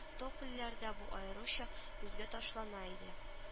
Топольләрдә бу аеруча күзгә ташлана иде